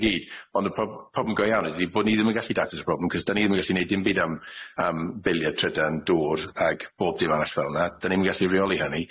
i gyd, ond y prob- problem go iawn ydi bo' ni ddim yn gallu datrys y problem cos dan ni ddim yn gallu neud dim byd am am billiard trydan dŵr ag pob dim arall felna. Dan ni'm yn gallu reoli hynny.